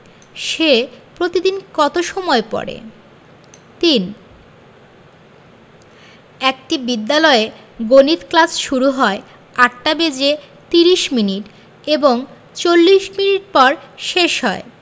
সে প্রতিদিন কত সময় পড়ে ৩ একটি বিদ্যালয়ে গণিত ক্লাস শুরু হয় ৮টা বেজে ৩০ মিনিট এবং ৪০ মিনিট পর শেষ হয়